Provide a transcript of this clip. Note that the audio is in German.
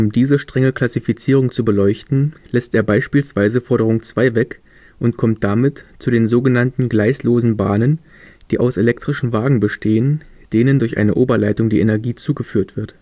diese strenge Klassifizierung zu beleuchten, lässt er beispielsweise Forderung 2 weg und kommt damit „ zu den sogenannten gleislosen Bahnen, die aus elektrischen Wagen bestehen, denen durch eine Oberleitung die Energie zugeführt wird